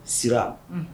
Sira